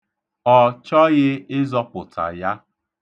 Ọ chọghị ịzọpụta ya.